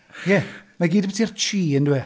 Ie, mae i gyd ambyti'r chi, yn dyw e.